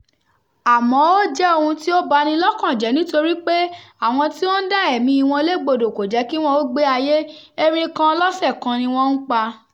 Àmọ́ ó jẹ́ ohun tí ó bani lọ́kàn jẹ́ nítorí pé àwọn tí ó ń dá ẹ̀míi wọn légbodò kò jẹ́ kí wọn ó gbé ayé, erin kan lọ́sẹ̀ kan ni wọ́n ń pa.